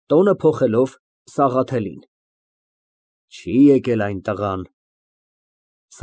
Տոնը փոխելով, Սաղաթելին)։ Չի՞ եկել այն տղան։